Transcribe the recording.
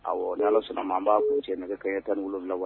Awɔ ni Ala sɔnn'a ma an b'a kuncɛ nɛgɛ kaɲɛ 17 wa